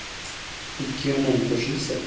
ikki yomon qo'shilsa